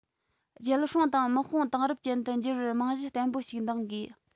རྒྱལ སྲུང དང དམག དཔུང དེང རབས ཅན དུ འགྱུར བར རྨང གཞི བརྟན པོ ཞིག འདིང དགོས